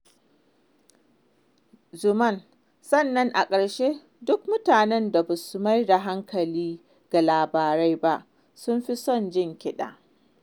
Xuman: Sannan a ƙarshe, duk mutanen da ba su mayar da hankali ga labaran ba sun fi son jin kiɗa.